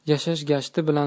yashash gashti bilan